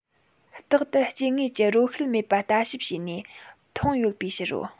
རྟག ཏུ སྐྱེ དངོས ཀྱི རོ ཤུལ མེད པ ལྟ ཞིབ བྱས ནས མཐོང ཡོད པའི ཕྱིར རོ